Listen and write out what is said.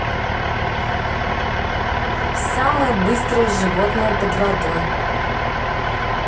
самое быстрое животное под водой